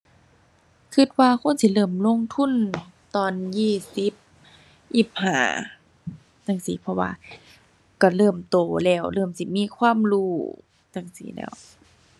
คิดว่าควรสิเริ่มลงทุนตอนยี่สิบ ยี่สิบห้าจั่งซี้ เพราะว่าคิดเริ่มโตแล้ว เริ่มสิมีความรู้จั่งซี้แล้ว